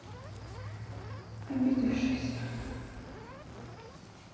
обидевшись